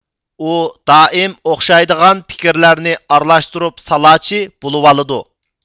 ئۇ دائىم ئوخشايدىغان پىكىرلەرنى ئارىلاشتۇرۇپ سالاچى بولۇۋالىدۇ